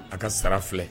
A ka sara filɛ